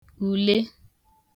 ùle